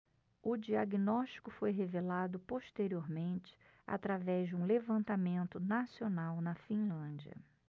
o diagnóstico foi revelado posteriormente através de um levantamento nacional na finlândia